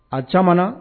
A caaman na